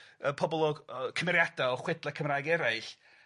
Y pobol o yy cymeriada' o chwedla Cymraeg eraill